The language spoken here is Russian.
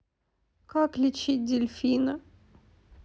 как лечить дельфина